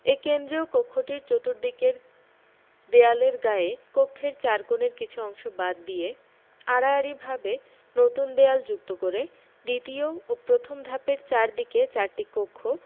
এ কেন্দ্রীয় কক্ষটির চর্তুদিকের দেয়ালের গায়ে কক্ষের চার কোণের কিছু অংশ বাদ দিয়ে আড়াআড়ি ভাবে নতুন দেয়াল যুক্ত করে দ্বিতীয় ও প্রথম ধাপের চারদিকে চারটি কক্ষ